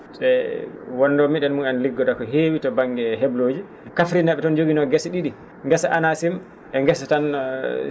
te wonno mbi?en an liggoda ko heewi to ba?nge he?looji Kafrine a?e toon njoginoo geee ?i?i ngesa ANACIM e ngesa tan